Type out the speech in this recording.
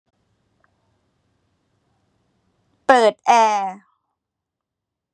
เปิดแอร์